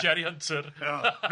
Jerry Hunter.